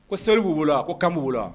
Ko seri' wolola ko kan wula